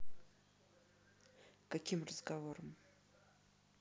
каким разговором